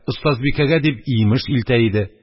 Остазбикәгә дип йимеш илтә иде.